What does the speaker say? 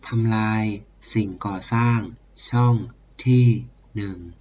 ทำลายสิ่งก่อสร้างช่องที่หนึ่ง